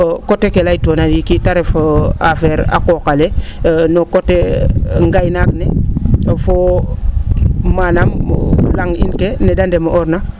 coté ke laytoona ndiiki te ref affaire a qooq ale te ref coté: fra ngaynaak ne foo manaam la? in ke needa ndeme'oorna